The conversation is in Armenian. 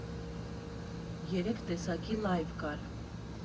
Երեք տեսակի լայվ կար։